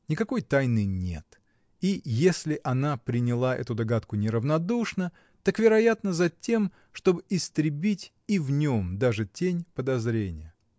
Никакой тайны нет, и если она приняла эту догадку неравнодушно, так, вероятно, затем, чтоб истребить и в нем даже тень подозрения.